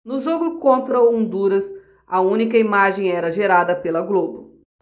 no jogo contra honduras a única imagem era gerada pela globo